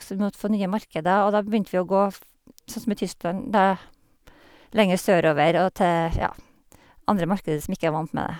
Så vi måtte få nye markeder, og da begynte vi å gå, f sånn som i Tyskland, da, lenger sørover og til, ja, andre markeder som ikke er vant med det.